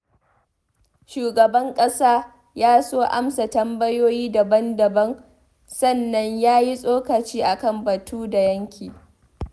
Shugaban ƙasa ya so amsa tambayoyi daban-daban sannan ya yi tsokaci a kan batu da yanki.